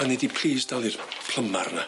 A nei di plîs dal i'r plymar na.